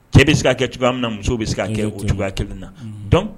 Cɛ bɛ se k ka kɛ cogoya min na muso bɛ' kɛ o cogoya kelen na